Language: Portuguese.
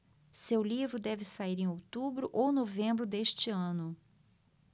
seu livro deve sair em outubro ou novembro deste ano